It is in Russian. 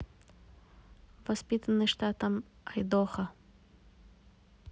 воспитанный штатом айдахо